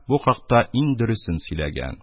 Бу хакта иң дөресен сөйләгән.